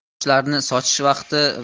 toshlarni sochish vaqti